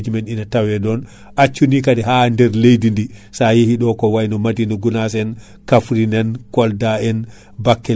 eyyi donc prévision ji amen kaadi e prduit Aprostar hitande rowadede ko ɗum wavano commande pour walo ngo